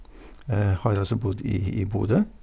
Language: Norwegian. Jeg har jo altså bodd i i Bodø.